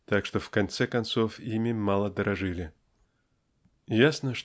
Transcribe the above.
так что в конце концов ими мало дорожили. Ясно